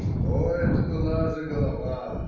Что это была за голова!